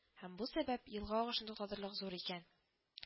Һәм бу сәбәп елга агышын туктатырлык зур икән